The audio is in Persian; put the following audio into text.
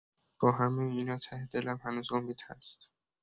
با همه اینا، ته دلم هنوز امید هست.